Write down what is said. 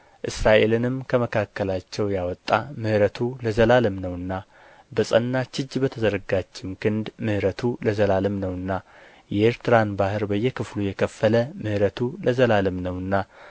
እስራኤልንም ከመካከላቸው ያወጣ ምሕረቱ ለዘላለም ነውና በጸናች እጅ በተዘረጋችም ክንድ ምሕረቱ ለዘላለም ነውና የኤርትራን ባሕር በየክፍሉ የከፈለ ምሕረቱ ለዘላለም ነውና